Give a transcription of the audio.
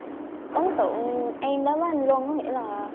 ấn tượng em đối với anh luân có nghĩa là